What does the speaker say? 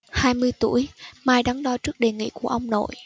hai mươi tuổi mai đắn đo trước đề nghị của ông nội